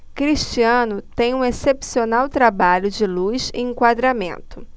cristiano tem um excepcional trabalho de luz e enquadramento